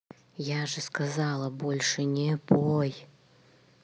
я же сказала больше не пой